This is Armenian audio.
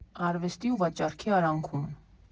Արվեստի ու վաճառքի արանքում։